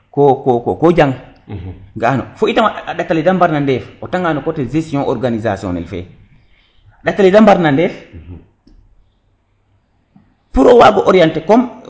ko ko jang ga ano fo itam a ndata le de mbarna ndeef o reta nga no coté gestionnel fe a ndata la de mbara ndeef pour o wago orienter